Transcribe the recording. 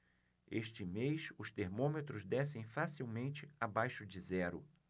este mês os termômetros descem facilmente abaixo de zero